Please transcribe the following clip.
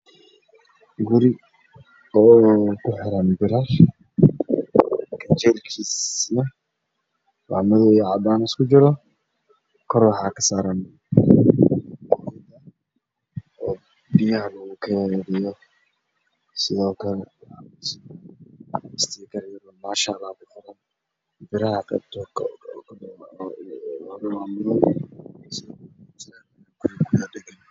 Waa guri oo kuxiran birar Albaabkiisuna waa madow iyo cadaan isku jiro kor waxaa ka saaran kan biyaha lugu keydiyo, baraha waa madow.